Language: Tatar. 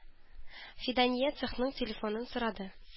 Фидания цехның телефонын сорады.